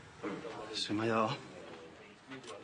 Su' mae o?